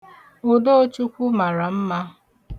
Udochukwu mara mma.